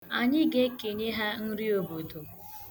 Anyị ga-ekenye ha nri obodo.